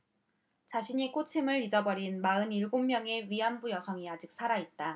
자신이 꽃임을 잊어버린 마흔 일곱 명의 위안부 여성이 아직 살아 있다